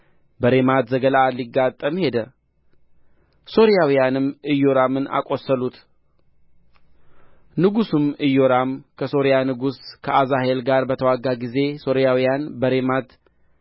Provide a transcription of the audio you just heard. በሬማት ዘገለዓድ ሊጋጠም ሄደ ሶርያውንም ኢዮራምን አቆሰሉት ንጉሡም ኢዮራም ከሶርያ ንጉሥ ከአዛሄል ጋር በተዋጋ ጊዜ ሶርያውያን በሬማት